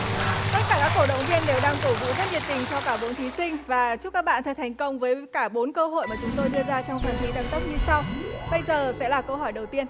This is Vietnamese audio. tất cả các cổ động viên đều đang cổ vũ rất nhiệt tình cho cả bốn thí sinh và chúc các bạn sẽ thành công với cả bốn cơ hội mà chúng tôi đưa ra trong phần thi tăng tốc như sau bây giờ sẽ là câu hỏi đầu tiên